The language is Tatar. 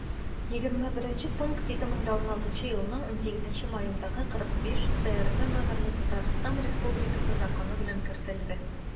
21 пункт 2016 елның 18 маендагы 45-трз номерлы татарстан республикасы законы белән кертелде